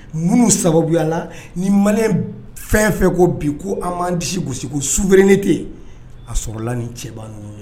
Ninnu sababu la ni ma fɛn fɛ ko bi ko an' disi gosisi ko su wɛrɛren tɛ a la ni cɛba ninnu ye